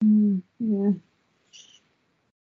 Hmm, ie.